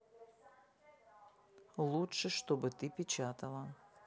лучше чтобы ты печатала